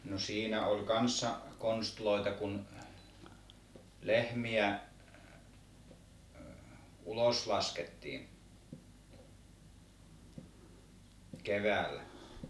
no siinä oli kanssa konsteja kun lehmiä ulos laskettiin keväällä